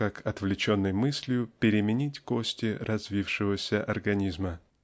как отвлеченней мыслью переменить кости развившегося организма".